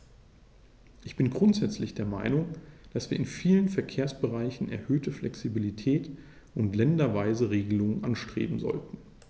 Ich bin grundsätzlich der Meinung, dass wir in vielen Verkehrsbereichen erhöhte Flexibilität und länderweise Regelungen anstreben sollten.